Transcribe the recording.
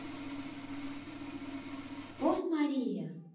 поль мария